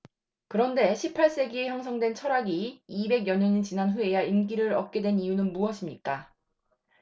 그런데 십 팔 세기에 형성된 철학이 이백 여 년이 지난 후에야 인기를 얻게 된 이유는 무엇입니까